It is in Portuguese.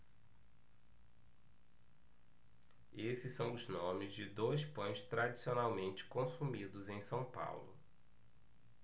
esses são os nomes de dois pães tradicionalmente consumidos em são paulo